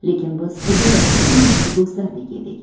lekin biz xuddi tengqur do'stlardek edik